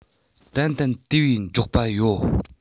ཏན ཏན དེ བས མགྱོགས པ ཡོད